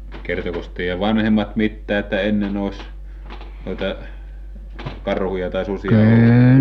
kertoikos teidän vanhemmat mitään että ennen olisi noita karhuja tai susia ollut